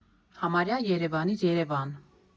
Համարյա Երևանից Երևան։